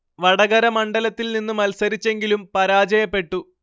വടകര മണ്ഡലത്തിൽ നിന്നു മത്സരിച്ചെങ്കിലും പരാജയപ്പെട്ടു